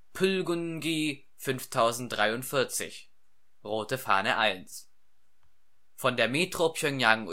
Pulg'ŭngi 5043 -" Rote Fahne 1 " Von der Metro Pjöngjang